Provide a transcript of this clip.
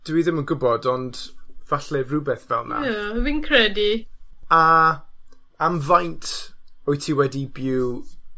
Dwi ddim yn gwbod, ond falle rywbeth fel 'na. Ie fi'n credu. A am faint wyt ti wedi byw